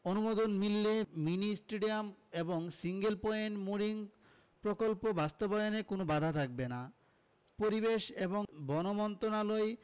অনুমোদন মিললে mini stadium এবং সিঙ্গেল পয়েন্ট মোরিং প্রকল্প বাস্তবায়নে কোনো বাধা থাকবে না পরিবেশ ও বন মন্ত্রণালয়